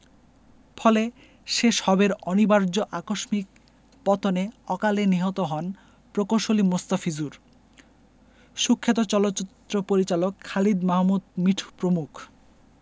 ফলে সে সবের অনিবার্য আকস্মিক পতনে অকালে নিহত হন প্রকৌশলী মোস্তাফিজুর সুখ্যাত চলচ্চিত্র পরিচালক খালিদ মাহমুদ মিঠু প্রমুখ